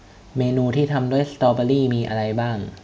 เมนูที่ทำด้วยสตอเบอร์รี่มีอะไรบ้าง